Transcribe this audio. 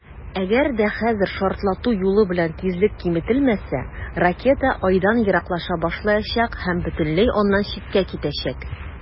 Әгәр дә хәзер шартлату юлы белән тизлек киметелмәсә, ракета Айдан ераклаша башлаячак һәм бөтенләй аннан читкә китәчәк.